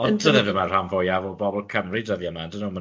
Ie, ond dyna fydde rhan fwyaf o bobol Cymru dyddia 'dyn nw